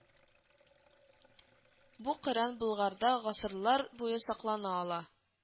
Бу Коръән Болгарда гасырлар буе саклана ала”